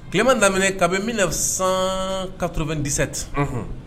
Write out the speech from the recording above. Tilema daminɛ kabini bɛ bɛna na san katooro bɛ disati